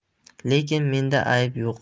lekin menda ayb yo'q